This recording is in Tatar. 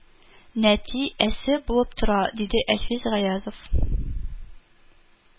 Нәти әсе булып тора, диде әлфис гаязов